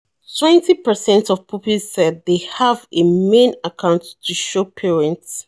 Twenty per cent of pupils said they have a "main" account to show parents